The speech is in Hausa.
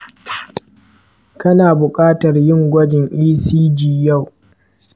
kana buƙatar yin gwajin ecg yau.